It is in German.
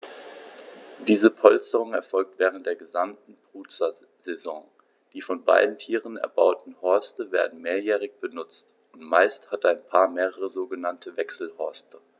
Diese Polsterung erfolgt während der gesamten Brutsaison. Die von beiden Tieren erbauten Horste werden mehrjährig benutzt, und meist hat ein Paar mehrere sogenannte Wechselhorste.